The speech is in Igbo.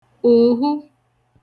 ùhu